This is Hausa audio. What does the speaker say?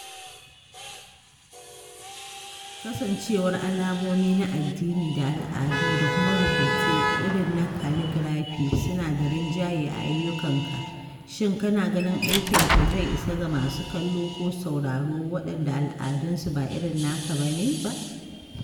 Kasancewar alamomi na addini da al’adu da kuma rubutu irin na kaligrafi suna da rinjaye a ayyukanka, shin kana ganin aikinka zai isa ga masu kallo ko sauraro waɗanda al'adun su ba irin naka ba?